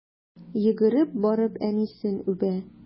Йөгереп барып әнисен үбә.